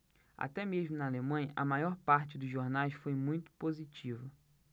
até mesmo na alemanha a maior parte dos jornais foi muito positiva